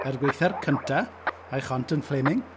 Er gwaetha'r cyntaf, a'i chont yn flaming.